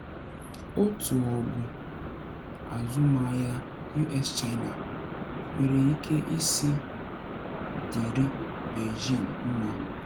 Otu ọgụ azụmahịa US-China nwere ike isi dịịrị Beijing mma